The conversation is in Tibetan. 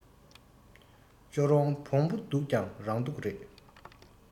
ལྕོག རོང བོང བུ སྡུག ཀྱང རང སྡུག རེད